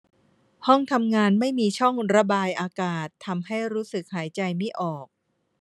ห้องทำงานไม่มีช่องระบายอากาศทำให้รู้สึกหายใจไม่ออก